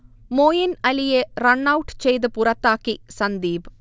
മോയിൻ അലിയെ റണ്ണൗട്ട് ചെയ്ത് പുറത്താക്കി സന്ദീപ്